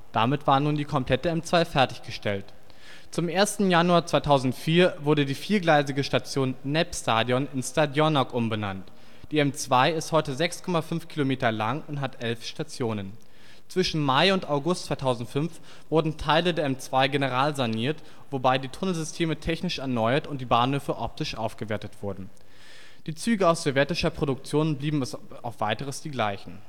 Damit war nun die komplette M2 fertiggestellt. Zum 1. Januar 2004 wurde die viergleisige Station Népstadion in Stadionok umbenannt. Die M2 ist heute 6,5 Kilometer lang und hat elf Stationen. Zwischen Mai und August 2005 wurden Teile der M2 generalsaniert, wobei die Tunnelsysteme technisch erneuert und die Bahnhöfe optisch aufgewertet wurden. Die Züge aus sowjetischer Produktion blieben bis auf weiteres die gleichen